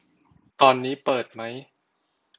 ตอนนี้เปิดไหม